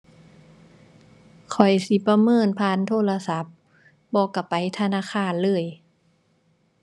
ข้อยสิประเมินผ่านโทรศัพท์ บ่ก็ไปธนาคารเลย